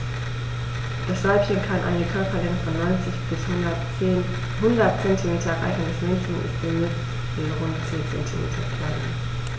Das Weibchen kann eine Körperlänge von 90-100 cm erreichen; das Männchen ist im Mittel rund 10 cm kleiner.